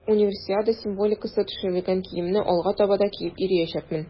Универсиада символикасы төшерелгән киемне алга таба да киеп йөриячәкмен.